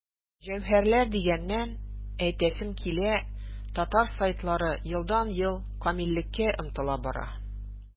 Җәүһәрләр дигәннән, әйтәсем килә, татар сайтлары елдан-ел камиллеккә омтыла бара.